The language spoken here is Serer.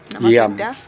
Nam a feñ ta ?